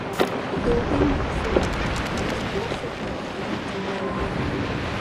ดูให้หน่อยซิฉันรู้สึกปวดตาตุ่มจังเลย